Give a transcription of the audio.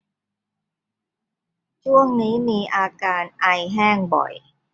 ช่วงนี้มีอาการไอแห้งบ่อย